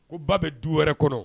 Ko ba bɛ du wɛrɛ kɔnɔ